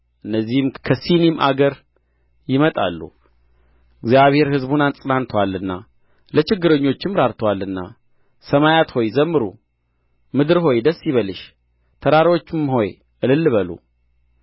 እነዚህም ከሲኒም አገር ይመጣሉ እግዚአብሔር ሕዝቡን አጽናንቶአልና ለችግረኞቹም ራርቶአልና ሰማያት ሆይ ዘምሩ ምድር ሆይ ደስ ይበልሽ ተራሮችም ሆይ እልል በሉ